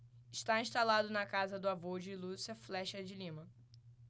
está instalado na casa do avô de lúcia flexa de lima